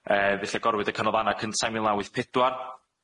Yy felly agorwyd y canolfanna cynta yn mil naw wyth pedwar,